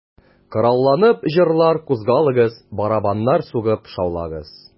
Коралланып, җырлар, кузгалыгыз, Барабаннар сугып шаулагыз...